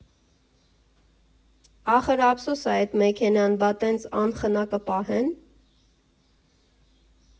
Ախր ափսոս ա է, էտ մեքենան բա տենց անխնա կպահե՞ն։